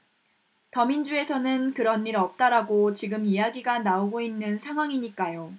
더민주에서는 그런 일 없다라고 지금 이야기가 나오고 있는 상황이니까요